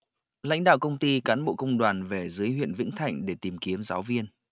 lãnh đạo công ty cán bộ công đoàn về dưới huyện vĩnh thạnh để tìm kiếm giáo viên